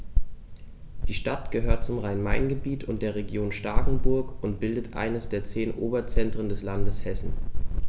Die Stadt gehört zum Rhein-Main-Gebiet und der Region Starkenburg und bildet eines der zehn Oberzentren des Landes Hessen.